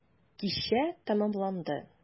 Кичә тәмамланды.